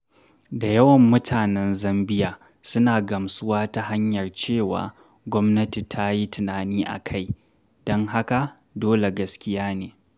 Da yawan mutanan Zambiya suna gamsuwa ta hanyar cewa, ''gwamnati ta yi tunani a kai, don haka dole gaskiya ne.